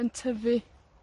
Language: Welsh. yn tyfu